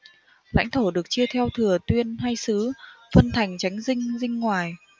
lãnh thổ được chia theo thừa tuyên hay xứ phân thành chánh dinh dinh ngoài